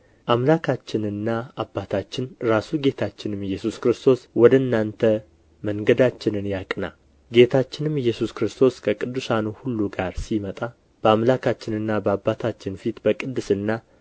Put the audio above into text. አምላካችንና አባታችን ራሱ ጌታችንም ኢየሱስ ክርስቶስ ወደ እናንተ መንገዳችንን ያቅና ጌታችንም ኢየሱስ ክርስቶስ ከቅዱሳኑ ሁሉ ጋር ሲመጣ በአምላካችንና በአባታችን ፊት በቅድስና